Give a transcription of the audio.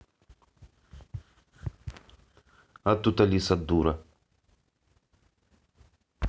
а тут алиса дура